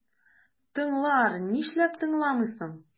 Тыңлар, нишләп тыңламасын?